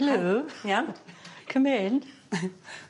Helo. Chi'n iawn? Come in